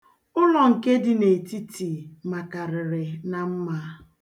Ụlọ nke dị n'etiti makarịrị na mma.